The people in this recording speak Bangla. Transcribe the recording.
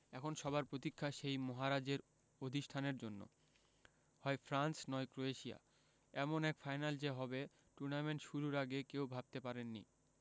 এখন সবার প্রতীক্ষা সেই মহারাজের অধিষ্ঠানের জন্য হয় ফ্রান্স নয় ক্রোয়েশিয়া এমন এক ফাইনাল যে হবে টুর্নামেন্ট শুরুর আগে কেউ ভাবতে পারেননি